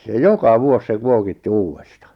se joka vuosi se kuokitti uudesta